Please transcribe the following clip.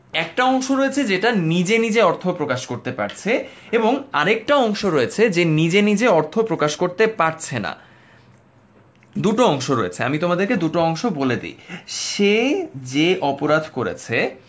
একটা অংশ রয়েছে যেটা নিজে নিজে অর্থ প্রকাশ করতে পারছে এবং আরেকটা অংশে রয়েছে যে নিজে নিজে অর্থ প্রকাশ করতে পারছে না দুটো অংশ রয়েছে আমি তোমাদেরকে দুটো অংশ বলে দিই সে যে অপরাধ করেছে